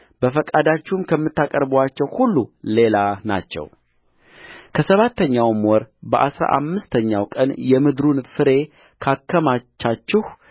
በፈቃዳችሁም ከምታቀርቡአቸው ሁሉ ሌላ ናቸውከሰባተኛውም ወር በአሥራ አምስተኛው ቀን የምድሩን ፍሬ ካከማቻችሁ